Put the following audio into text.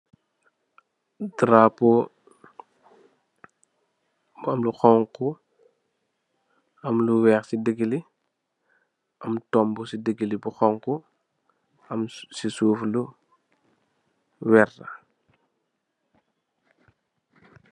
Darapo mu am lu xonxu am lu weex si digi lii am tombu si digi lii bu xonxu am si suuf lu wertax.